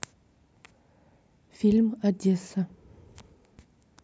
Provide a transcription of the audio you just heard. фильм одесса